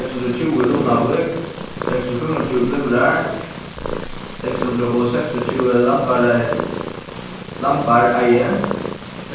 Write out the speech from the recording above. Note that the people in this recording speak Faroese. seks hundrað og tjúgu runavík seks hundrað og fimmogtjúgu glyvrar seks hundrað og seksogtjúgu lambareiði